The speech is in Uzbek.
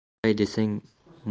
olay desang mo'l hosil